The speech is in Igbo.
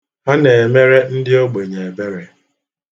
Ha na-emere ndị ogbenye ebere.